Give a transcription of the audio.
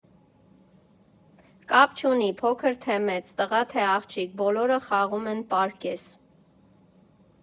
Կապ չունի՝ փոքր թե մեծ, տղա թե աղջիկ՝ բոլորը խաղում են պարկես։